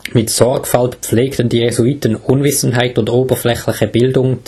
Mit Sorgfalt pflegten die Jesuiten Unwissenheit und oberflächliche Bildung